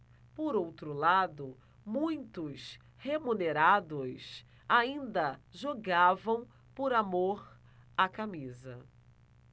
por outro lado muitos remunerados ainda jogavam por amor à camisa